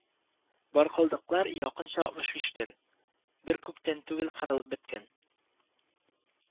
Баркылдыклар якынча алтмыш биш төр, бер күптән түгел кырылып беткән